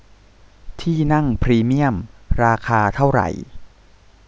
ที่นั่งพรีเมี่ยมราคาเท่าไหร่